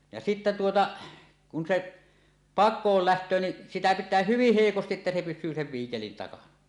ja sitten tuota kun se pakoon lähtee niin sitä pitää hyvin heikosti että se pysyy sen viikelin takana